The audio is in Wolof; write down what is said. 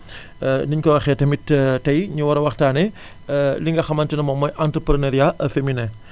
ni ñu ko waxee tamit tay ñu war a waxtaanee li nga xamante ne moom mooy entreprenariat:frs féminin